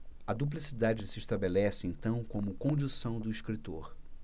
a duplicidade se estabelece então como condição do escritor